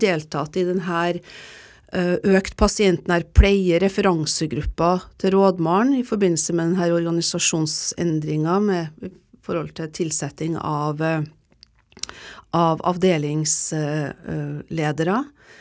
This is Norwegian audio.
deltatt i den her økt pasientnær pleie referansegruppa til rådmannen i forbindelse med den her organisasjonsendringa med i forhold til tilsetting av av avdelingsledere.